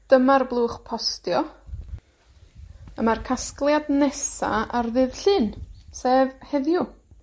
Dyma'r blwch postio. A ma'r casgliad nesa ar ddydd Llun, sef heddiw.